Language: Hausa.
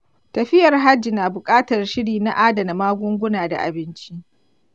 tafiyar hajj na buƙatar shiri na adana magunguna da abinci.